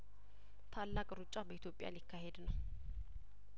ታላቅ ሩጫ በኢትዮጵያ ሊካሄድ ነው